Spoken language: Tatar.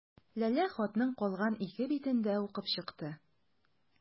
Ләлә хатның калган ике битен дә укып чыкты.